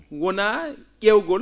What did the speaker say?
wonaa ?eewgol